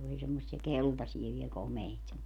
oli semmoisia keltaisia vielä komeita